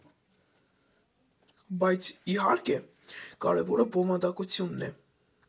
Բայց, իհարկե, կարևորը բովանդակությունն է։